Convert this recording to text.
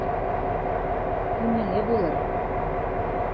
Күңеле булыр...